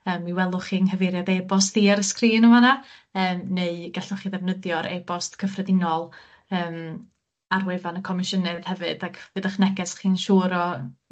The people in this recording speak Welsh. yym mi welwch chi 'ng nghyfeiriad e-bost i ar y sgrin yn fan 'na yym neu gallwch chi ddefnyddio'r e-bost cyffredinol yym ar wefan y Comisiynydd hefyd ag fydd 'ych neges chi'n siŵr o...